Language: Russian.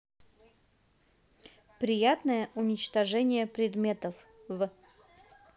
приятное уничтожение предметов в